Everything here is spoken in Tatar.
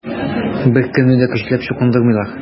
Беркемне дә көчләп чукындырмыйлар.